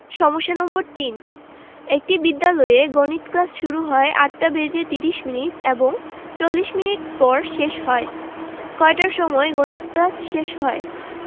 সমস্যা নম্বর ৩ একটি বিদ্যালয়ে গণিত ক্লাস শুরু হয় ৮টা বেজে ৩০ মিনিট এবং ৪০ মিনিট পর শেষ হয় কয়টার সময় গণিত ক্লাস শেষ হয়